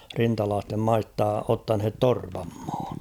rintalaisten maista ottaneet torpan maan